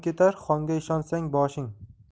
ketar xonga ishonsang boshing